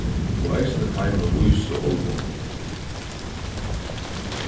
og eisini teimum vísu álvunum